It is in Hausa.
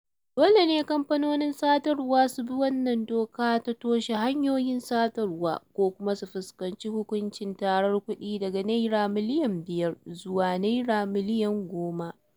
Dole ne kamfanonin sadarwar su bi wannan doka ta toshe hanyoyin sadarwa ko kuma su fuskanci hukuncin tarar kuɗi daga naira miliyan 5 zuwa naira miliyan 10